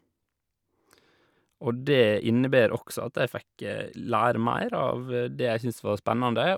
Og det innebærer også at jeg fikk lære mer av det jeg syns var spennende.